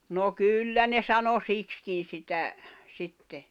no kyllä ne sanoi siksikin sitä sitten